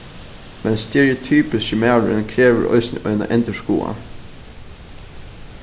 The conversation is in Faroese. men stereotypiski maðurin krevur eisini eina endurskoðan